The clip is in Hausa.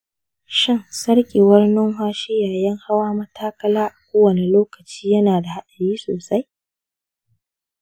shin sarƙewar numfashi yayin hawan matakala a kowane lokaci yana da haɗari sosai?